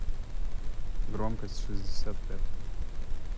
громкость шестьдесят пять